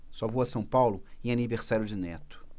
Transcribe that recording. só vou a são paulo em aniversário de neto